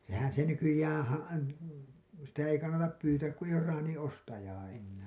sehän se nykyään - sitä ei kannata pyytää kun ei ole traanin ostajaa enää